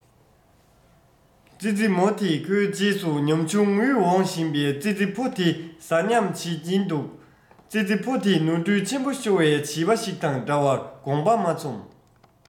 ཙི ཙི མོ དེས ཁོའི རྗེས སུ ཉམ ཆུང ངུས འོང བཞིན པའི ཙི ཙི ཕོ དེ ཟ སྙམ བྱེད ཀྱིན འདུག ཙི ཙི ཕོ དེ ནོར འཁྲུལ ཆེན པོ ཤོར བའི བྱིས པ ཞིག དང འདྲ བར དགོངས པ མ ཚོམས